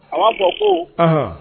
A b'a fɔ, ko, ɔnhɔn